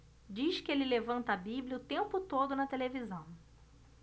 diz que ele levanta a bíblia o tempo todo na televisão